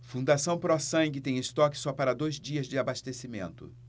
fundação pró sangue tem estoque só para dois dias de abastecimento